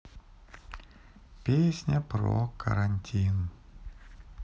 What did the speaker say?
песня про карантин